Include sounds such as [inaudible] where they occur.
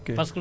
[hesitation] [hesitation]